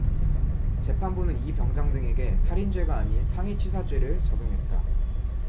재판부는 이 병장 등에게 살인죄가 아닌 상해치사죄를 적용했다